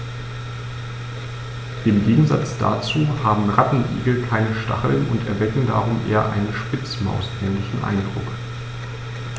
Im Gegensatz dazu haben Rattenigel keine Stacheln und erwecken darum einen eher Spitzmaus-ähnlichen Eindruck.